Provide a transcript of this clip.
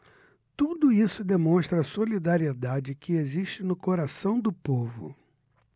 tudo isso demonstra a solidariedade que existe no coração do povo